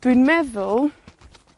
Dwi'n meddwl